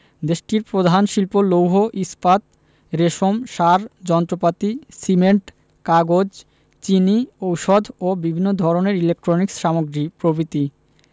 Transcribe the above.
দেশটির প্রধান শিল্প লৌহ ইস্পাত রেশম সার যন্ত্রপাতি সিমেন্ট কাগজ চিনি ঔষধ ও বিভিন্ন ধরনের ইলেকট্রনিক্স সামগ্রী প্রভ্রিতি